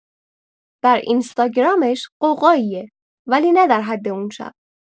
در اینستاگرامش غوغاییه ولی نه در حد اون شب!